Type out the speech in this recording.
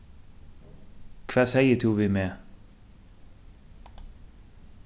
hvat segði tú við meg